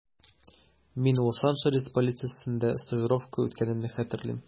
Мин Лос-Анджелес полициясендә стажировка үткәнемне хәтерлим.